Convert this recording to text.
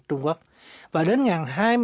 trung quốc và đến ngày hai